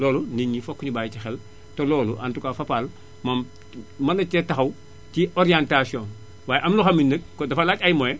loolu nit ñi fokk ñu bàyyi ci xel te loolu en tout cas Fapal moom ma nga cay taxaw ci orientation waaye am na loo xam ne nii nag dafa laaj ay moyens